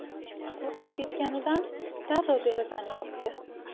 qurqib ketganidan darrov derazani yopdi